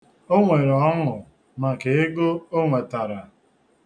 O nwere ọṅụ maka ego o nwetara.